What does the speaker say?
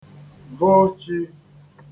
vo chi